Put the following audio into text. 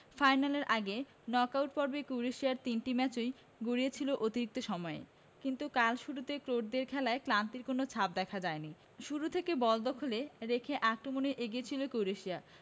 ফাইনালের আগে নকআউট পর্বে ক্রোয়েশিয়ার তিনটি ম্যাচই গড়িয়েছিল অতিরিক্ত সময়ে কিন্তু কাল শুরুতে ক্রোটদের খেলায় ক্লান্তির কোনো ছাপ দেখা যায়নি শুরু থেকে বল দখলে রেখে আক্রমণে এগিয়ে ছিল ক্রোয়েশিয়া